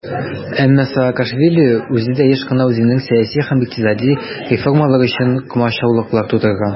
Әмма Саакашвили үзе дә еш кына үзенең сәяси һәм икътисади реформалары өчен комачаулыклар тудырган.